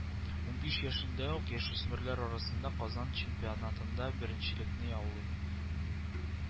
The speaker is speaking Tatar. Унбиш яшендә үк яшүсмерләр арасында казан чемпионатында беренчелекне яулый